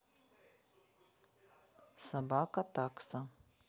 собака такса